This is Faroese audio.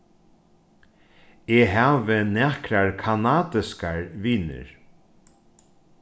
eg havi nakrar kanadiskar vinir